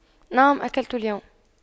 نعم أكلت اليوم